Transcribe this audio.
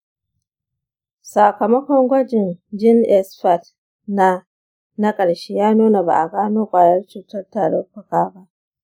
sakamakon gwajin genexpert na na ƙarshe ya nuna ba a gano ƙwayar cutar tarin fuka ba.